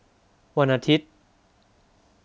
วันอาทิตย์